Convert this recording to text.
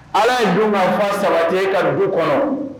Ala ye dun ka fa saba ten ka dugu kɔnɔ